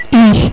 i